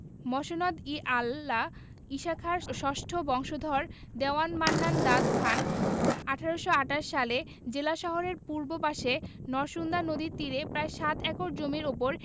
মসনদ ই আলা ঈশাখার ষষ্ঠ বংশধর দেওয়ান মান্নান দাদ খান ১৮২৮ সালে জেলা শহরের পূর্ব পাশে নরসুন্দা নদীর তীরে প্রায় সাত একর জমির ওপর